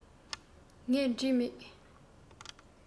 ངས བྲིས མེད